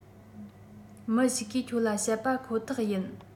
མི ཞིག གིས ཁྱོད ལ བཤད པ ཁོ ཐག ཡིན